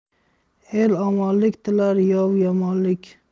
el omonlik tilar yov yomonlik